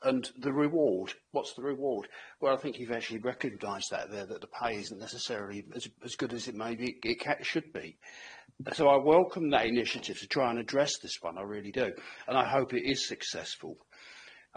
And the reward what's the reward well I think you've actually recognised that there that the pay isn't necessarily as as good as it may be it ca- should be so I welcome that initiative to try and address this one I really do and I hope it is successful,